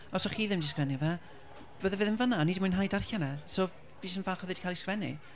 Os o'ch chi ddim 'di sgwennu fe, bydda fe ddim fyn'na. A o'n i 'di mwynhau darllen e. So fi jyst yn falch oedd e 'di cael ei ysgrifennu.